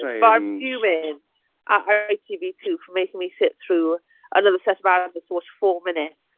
Strange... But I'm fuming at ITV two for making me sit through another set of adverts to watch four minutes.